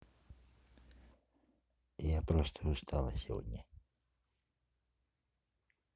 я просто сегодня устала